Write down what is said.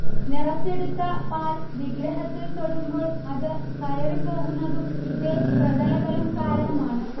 നിറച്ചെടുത്ത പാല് വിഗ്രഹത്തില് തൊടുമ്പോള് അത് കയറിപ്പോകുന്നതും ഇതേ പ്രതല ബലം കാരണമാണ്